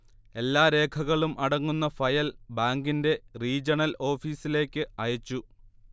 എല്ലാരേഖകളും അടങ്ങുന്ന ഫയൽ ബാങ്കിന്റെ റീജണൽ ഓഫീസിലേക്ക് അയച്ചു